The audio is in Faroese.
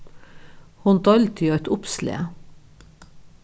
hon deildi eitt uppslag